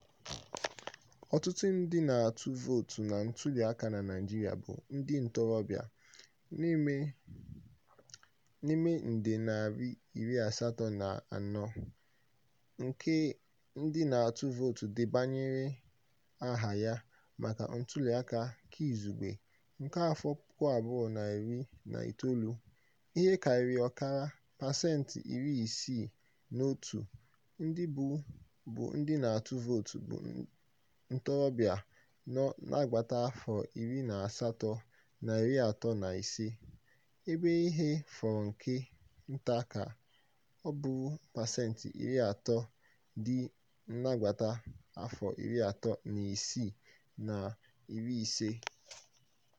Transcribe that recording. Ọtụtụ ndị na-atụ vootu na ntụliaka na Naịjirịa bụ ndị ntorobịa. N'ime nde narị iri asatọ na anọ, nke ndị na-atụ vootu debanyere aha ha maka Ntụliaka Keizugbe nke afọ puku abụọ na iri na itoolu, ihe karịrị ọkara — pasentị iri isi na otu— bụ ndị na-atụ vootu bụ ntorobịa nọ n'agbata afọ iri na asatọ na iri atọ na ise, ebe ihe fọrọ nke nta ka ọ bụrụ pasentị iri atọ dị n'agbata afọ iri atọ na isii na iri ise.